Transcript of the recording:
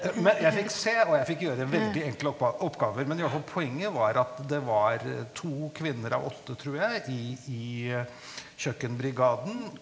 men jeg fikk se og jeg fikk gjøre veldig enkle oppgaver, men i hvert fall poenget var at det var to kvinner av åtte tror jeg i i kjøkkenbrigaden.